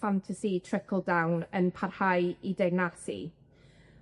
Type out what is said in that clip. ffantasi trickle-down yn parhau i deyrnasu.